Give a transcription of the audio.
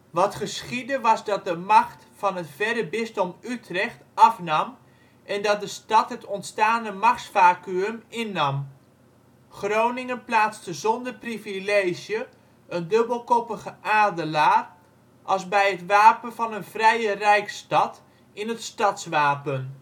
Wat geschiedde was dat de macht van het verre Bisdom Utrecht afnam en dat de stad het ontstane machtsvacuüm innam. Groningen plaatste zonder privilege een dubbelkoppige adelaar als bij het wapen van een Vrije Rijksstad in het stadswapen